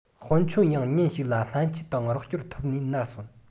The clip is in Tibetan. སྤུན ཆུང ཡང ཉིན ཞིག ལ སྨན བཅོས དང རོགས སྐྱོར ཐོབ ནས ནར སོན